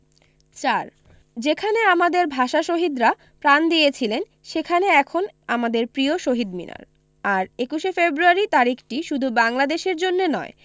৪ যেখানে আমাদের ভাষাশহীদরা প্রাণ দিয়েছিলেন সেখানে এখন আমাদের প্রিয় শহীদ মিনার আর ২১শে ফেব্রয়ারি তারিখটি শুধু বাংলাদেশের জন্যে নয়